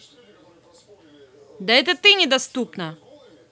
да это ты недоступна